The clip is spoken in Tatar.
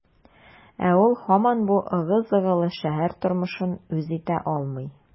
Ә ул һаман бу ыгы-зыгылы шәһәр тормышын үз итә алмый.